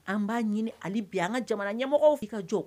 An b'a ɲini ale bi an ka jamana ɲɛmɔgɔ' ka jɔ